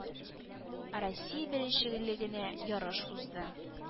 Россия беренчелегенә ярыш узды.